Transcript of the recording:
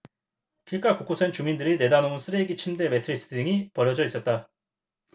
길가 곳곳엔 주민들이 내다 놓은 쓰레기 침대 매트리스 등이 버려져 있었다